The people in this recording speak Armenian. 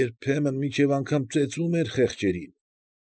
Երբեմն մինչև անգամ ծեծում էր խեղճերին։